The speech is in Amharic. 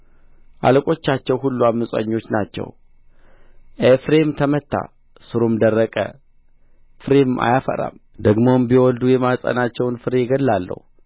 አለቆቻቸው ሁሉ ዓመፀኞች ናቸው ኤፍሬም ተመታ ሥሩም ደረቀ ፍሬም አያፈራም ደግሞም ቢወልዱ የማኅፀናቸውን ፍሬ እገድላለሁ